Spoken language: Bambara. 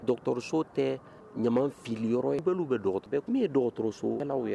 Dɔgɔtɔrɔso tɛ ɲama fili yɔrɔ i' bɛtɔ tun ye dɔgɔtɔrɔso naw ye